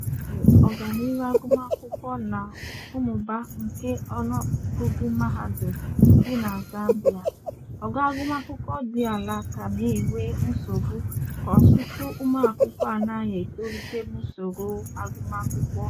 N'agbanyeghị ọganihu agụmakwụkwọ na mmụba nke ọnụọgụgụ mahadum dị na Zambia, ogo agụmakwụkwọ dị ala ka na-enwe nsogbu ka ọtụtụ ụmụakwụkwọ anaghị etolite n'usoro agụmakwụkwọ.